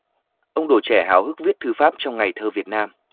ông đồ trẻ háo hức viết thư pháp trong ngày thơ việt nam